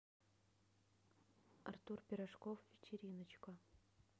артур пирожков вечериночка